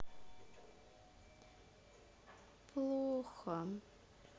плохо